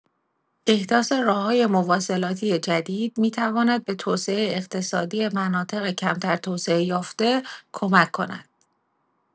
احداث راه‌های مواصلاتی جدید می‌تواند به توسعه اقتصادی مناطق کمتر توسعۀافته کمک کند.